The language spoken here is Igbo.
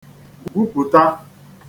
gwupụ̀ta